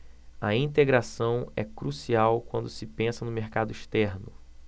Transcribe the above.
a integração é crucial quando se pensa no mercado externo